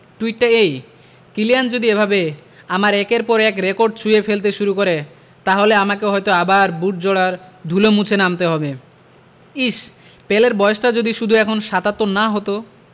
টুইটটা এই কিলিয়ান যদি এভাবে আমার একের পর এক রেকর্ড ছুঁয়ে ফেলতে শুরু করে তাহলে আমাকে হয়তো আবার বুটজোড়ার ধুলো মুছে নামতে হবে ইশ্ পেলের বয়সটা যদি শুধু এখন ৭৭ না হতো